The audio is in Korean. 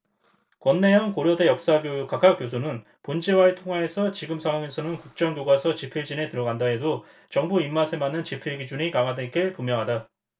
권내현 고려대 역사교육학과 교수는 본지와의 통화에서 지금 상황에서는 국정교과서 집필진에 들어간다 해도 정부 입맛에 맞는 집필 기준이 강화될 게 분명하다